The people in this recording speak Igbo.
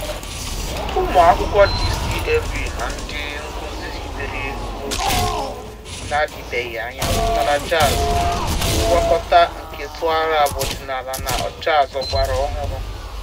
Ụmụakwụkwọ DCMA na ndị nkuzi hibere n'oge na-adịbeghị anya "TaraJazz", ngwakọta nke taarab ọdịnaala na jazz ọgbara ọhụrụ.